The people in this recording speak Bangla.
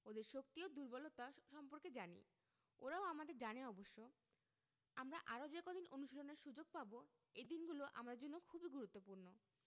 ওদের শক্তি ও দুর্বলতা সম্পর্কে জানি ওরাও আমাদের জানে অবশ্য আমরা আরও যে কদিন অনুশীলনের সুযোগ পাব এই দিনগুলো আমাদের জন্য খুবই গুরুত্বপূর্ণ